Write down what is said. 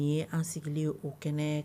N ye an sigilen o kɛnɛ